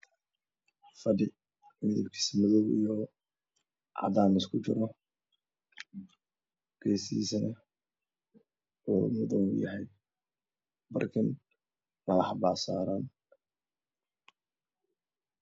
Waa fadhi midabkiisu madow iyo cadaan isku jiro. Geesihiisana uu madow yahay barkin labo xaba saaran.